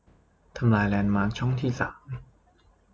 ทำลายแลนด์มาร์คช่องที่สาม